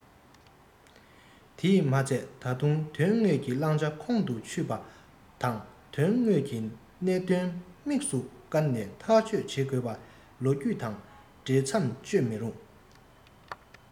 དེས མ ཚད ད དུང དོན དངོས ཀྱི བླང བྱ ཁོང དུ ཆུད པ ད དོན དངོས ཀྱི གནད དོན དམིགས སུ བཀར ནས ཐག གཅོད བྱེད དགོས པ ལས ལོ རྒྱུས དང འ བྲེལ མཚམས གཅོད མི རུང